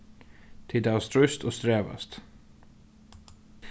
tit hava stríðst og strevast